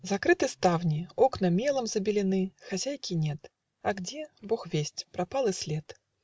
Закрыты ставни, окны мелом Забелены. Хозяйки нет. А где, бог весть. Пропал и след.